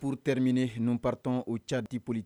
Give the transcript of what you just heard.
Puruterimini ninnuu part o ca dipolite